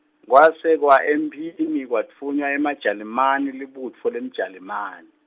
kwase kwa emphini, kwatfunywa emaJalimane libutfo leMjalimane.